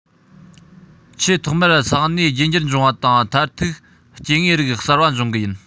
ཆེས ཐོག མར ས གནས རྒྱུད འགྱུར འབྱུང བ དང མཐར ཐུག སྐྱེ དངོས རིགས གསར པ འབྱུང གི ཡིན